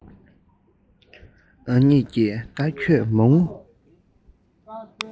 ང གཉིས ཀྱིས ད ཁྱོད མ ངུ